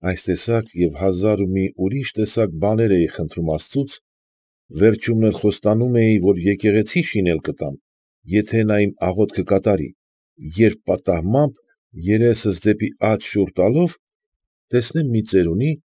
Այս տեսակ և հազար ու մի ուրիշ բաներ էի խնդրում աստծուց, վերջումն էլ խոստանում էի, որ եկեղեցի շինել կտամ, եթե նա իմ աղոթքը կատարի, երբ պատահմամբ, երեսս դեպի աջ շուռ տալով, տեսնեմ մի ծերունի։